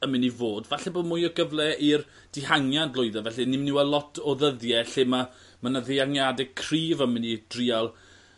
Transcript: yn myn' i fod falle bo' mwy o gyfle i'r dihangiad lwyddo felly ni myn' i wel' lot o ddyddie lle ma' ma' 'na ddiangiade cryf yn myn' i drial